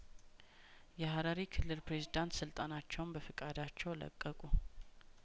የሀረሪ ክልል ፕሬዝዳንት ስልጣናቸውን በፍቃዳቸው ለቀቁ